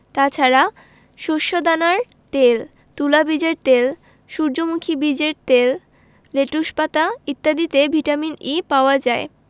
তাছাড়া শস্যদানার তেল তুলা বীজের তেল সূর্যমুখী বীজের তেল লেটুস পাতা ইত্যাদিতে ভিটামিন ই পাওয়া যায়